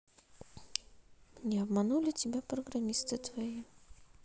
не обманули тебя программисты твои